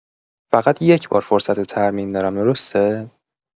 فقط یکبار فرصت ترمیم دارم درسته؟